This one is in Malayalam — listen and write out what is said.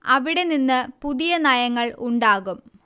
അവിടെ നിന്ന് പുതിയ നയങ്ങൾ ഉണ്ടാകും